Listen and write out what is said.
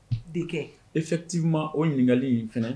De kɛ efiti ma o ɲininkakali in fana